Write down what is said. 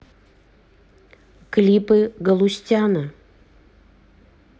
клипы галустяна